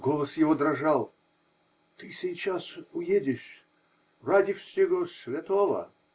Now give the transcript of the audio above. Голос его дрожал: -- Ты сейчас уедешь. Ради всего святого!